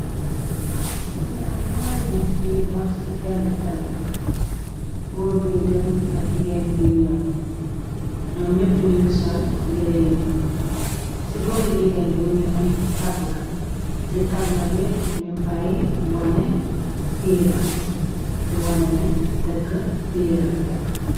mënga am ñaari nit yiy dox ci pegg tal bi góor biy dem ak jigéen bi ñëw ñoom ñepp ñu ngi sol yere yu ñuul ci boori jigéen bi mëngi am tabla ci tabla bi ñu fay wone iiran di wanene dëkk ku piiran